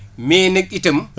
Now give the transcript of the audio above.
mais nag itam